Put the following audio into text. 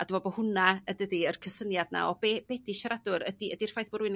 a dwi me'l bo' hwna yn dydi? Yr cysyniad 'na o be ydi siaradwr? Ydi'r ffaith bo' r'wun yn